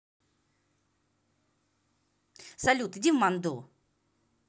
салют иди в манду